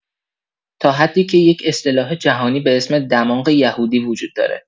تا حدی که یک اصطلاح جهانی به اسم دماغ یهودی وجود داره.